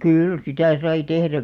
kyllä sitä sai tehdä